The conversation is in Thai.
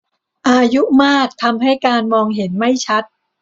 อายุมากทำให้การมองเห็นไม่ชัด